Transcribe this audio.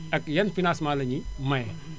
ak yan financements la ñuy maye